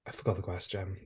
I forgot the question.